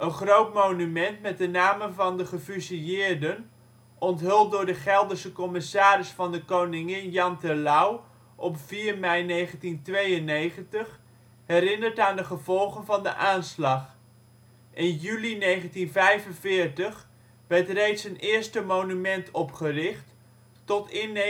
groot monument met de namen van de gefusilleerden, onthuld door de Gelderse commissaris van de Koningin Jan Terlouw op 4 mei 1992, herinnert aan de gevolgen van de aanslag. In juli 1945 werd reeds een eerste monument opgericht; tot in 1970